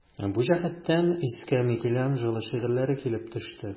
Бу җәһәттән искә Микеланджело шигырьләре килеп төште.